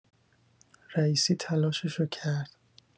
رییسی تلاششو کرد.